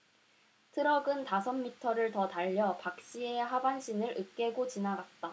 트럭은 다섯 미터를 더 달려 박씨의 하반신을 으깨고 지나갔다